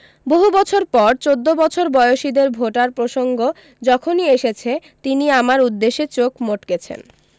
বহু বছর পর চৌদ্দ বছর বয়সীদের ভোটের প্রসঙ্গ যখনই এসেছে তিনি আমার উদ্দেশে চোখ মটকেছেন